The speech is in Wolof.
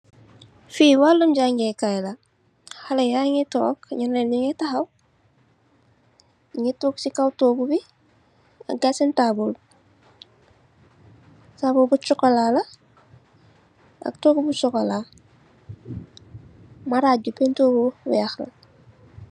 Fi wàlum jàngaykaay la, haley ya ngi toog nyenen nungi tahaw. Nungi toog ci kaw toogu bi guy senn taabul bi, taabul bu chokola ak toogu bu sokola. Maraj bi penturr bu weeh la.